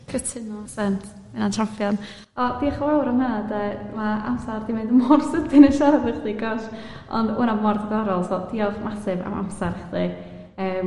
Cytuno ma' hynna'n champion o dioch y fawr am hynna de ma' amsar 'di mynd mor sydyn yn siarad efo chdi ond ma' hwnna mor ddidorol so diolch massive am amser chdi